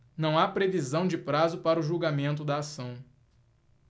não há previsão de prazo para o julgamento da ação